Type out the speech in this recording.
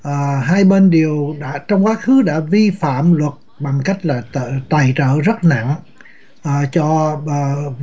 ở hai bên đều đã trong quá khứ đã vi phạm luật bằng cách là tài trợ rất nặng ờ cho